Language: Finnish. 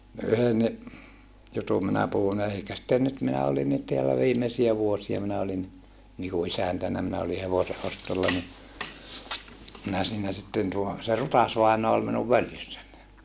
yhdenkin jutun minä puhun eikä sitten nyt minä olinkin täällä viimeisiä vuosia minä olinkin niin kuin isäntänä minä olin hevosen ostolla niin minä siinä sitten tuo se Rutas-vainaa oli minun följyssäni